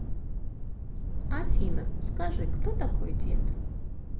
афина скажи кто такой дед